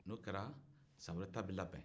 n'o kɛra san wɛrɛ ta bɛ labɛn